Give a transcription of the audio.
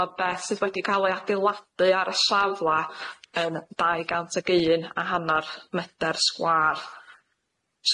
Ma' beth sydd wedi ca'l ei adeiladu ar y safle yn dau gant ag un a hannar medar sgwâr.